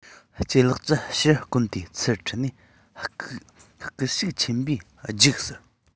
ལྗད ལགས ཀྱིས ཕྱུར སྐོམ དེ ཚུར འཕྲོག ནས སྐད ཤུགས ཆེན པོས རྒྱུགས ཟེར